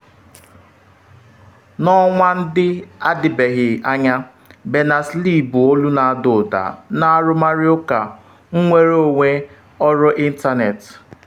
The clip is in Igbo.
N’ọnwa ndị adịbeghị anya, Berners-Lee bụ olu na-ada ụda na arụmarụ ụka nnwere onwe ọrụ ịntanetị.